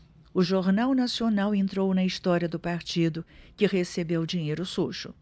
o jornal nacional entrou na história do partido que recebeu dinheiro sujo